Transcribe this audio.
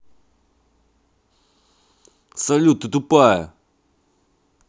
салют ты тупая